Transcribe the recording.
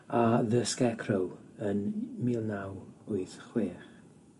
a The Scarecrow yn mi' naw wyth chwech.